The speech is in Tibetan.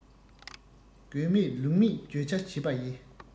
དགོས མེད ལུགས མེད བརྗོད བྱ བྱེད པ ཡི